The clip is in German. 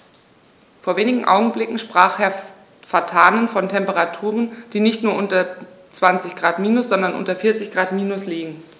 Vor wenigen Augenblicken sprach Herr Vatanen von Temperaturen, die nicht nur unter 20 Grad minus, sondern unter 40 Grad minus liegen.